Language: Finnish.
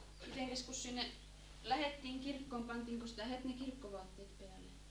mitenkäs kun sinne lähdettiin kirkkoon pantiinko sitä heti niin kirkkovaatteet päälle